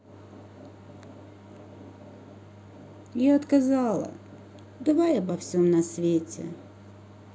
я отказала давай обо всем на свете